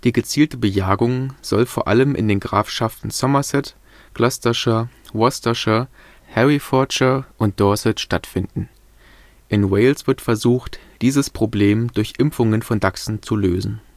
gezielte Bejagung soll vor allem in den Grafschaften Somerset, Gloucestershire, Worcestershire, Herefordshire und Dorset stattfinden. In Wales wird versucht, dieses Problem durch Impfungen von Dachsen zu lösen